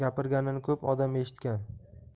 gapirganini ko'p odam eshitgan